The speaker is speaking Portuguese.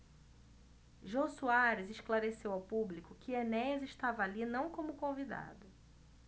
jô soares esclareceu ao público que enéas estava ali não como convidado